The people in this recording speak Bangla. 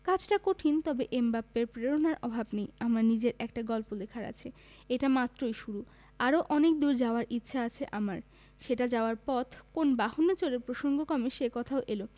কাজটা কঠিন তবে এমবাপ্পের প্রেরণার অভাব নেই আমার নিজের একটা গল্প লেখার আছে এটা মাত্রই শুরু আরও অনেক দূর যাওয়ার ইচ্ছা আছে আমার সেই যাওয়ার পথ কোন বাহনে চড়ে প্রসঙ্গক্রমে সে কথাও এল